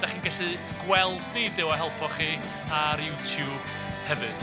Dach chi'n gallu gweld ni Duw a helpo chi ar YouTube hefyd.